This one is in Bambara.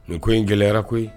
Nin ko in gɛlɛyara koyi